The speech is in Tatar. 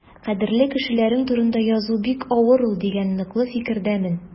Кадерле кешеләрең турында язу бик авыр ул дигән ныклы фикердәмен.